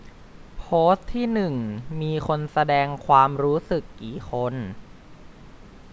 โพสต์ที่หนึ่งมีคนแสดงความรู้สึกกี่คน